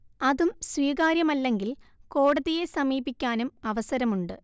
അതും സ്വീകാര്യമല്ലെങ്കിൽ കോടതിയെ സമീപിക്കാനും അവസരമുണ്ട്